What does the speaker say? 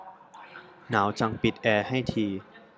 หนาวจังปิดแอร์ให้ที